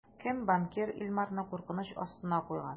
Кем банкир Илмарны куркыныч астына куйган?